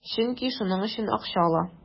Чөнки шуның өчен акча ала.